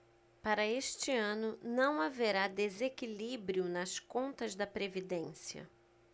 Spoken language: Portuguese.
para este ano não haverá desequilíbrio nas contas da previdência